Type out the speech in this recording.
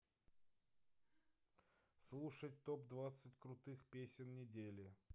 слушать топ двадцать крутых песен недели